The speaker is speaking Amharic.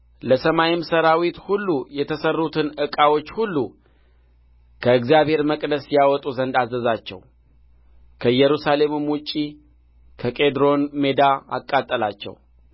ለሰማይም ሠራዊት ሁሉ የተሠሩትን ዕቃዎች ሁሉ ከእግዚአብሔር መቅደስ ያወጡ ዘንድ አዘዛቸው ከኢየሩሳሌምም ውጭ በቄድሮን ሜዳ አቃጠላቸው